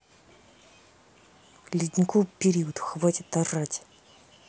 ледниковый период хватит орать